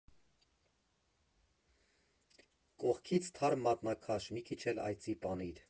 Կողքից թարմ մատնաքաշ, մի քիչ էլ այծի պանիր…